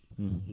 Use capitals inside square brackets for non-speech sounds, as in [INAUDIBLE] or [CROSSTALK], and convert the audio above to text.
[HESITATION] [HESITATION]